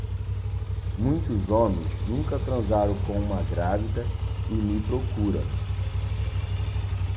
muitos homens nunca transaram com uma grávida e me procuram